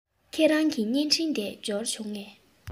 ཁྱེད རང གི བརྙན འཕྲིན དེ འབྱོར བྱུང ངས